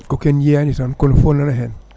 ko ken jiyani tan kono fo nana hen